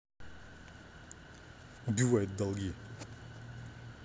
убивает долги